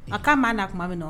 A k'a maa na tumamin nɔ